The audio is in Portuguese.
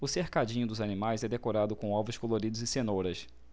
o cercadinho dos animais é decorado com ovos coloridos e cenouras